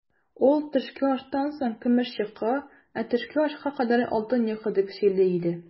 Ул, төшке аштан соң көмеш йокы, ә төшке ашка кадәр алтын йокы, дип сөйли иде.